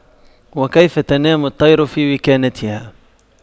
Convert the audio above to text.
وكيف تنام الطير في وكناتها